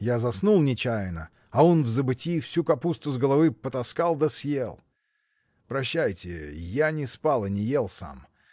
Я заснул нечаянно, а он, в забытьи, всю капусту с головы потаскал да съел. Прощайте! я не спал и не ел сам.